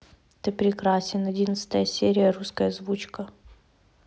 ты прекрасен одиннадцатая серия русская озвучка